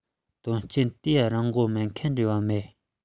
དོན རྐྱེན དེ རིམས འགོག སྨན ཁབ འབྲེལ བ མེད